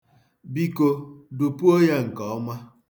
Biko, dụpuo ya nke oma.